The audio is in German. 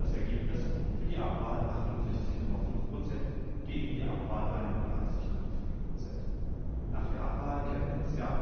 Ergebnis: für die Abwahl 68,5 %, gegen die Abwahl 31,5 %. Nach der Abwahl Kempens gab